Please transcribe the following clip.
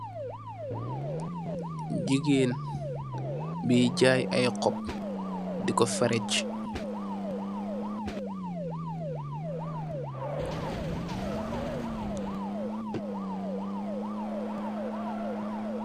Gigeen bu jaay ay xop di ko ferrej.